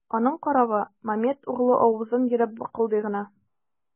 Аның каравы, Мамед углы авызын ерып быкылдый гына.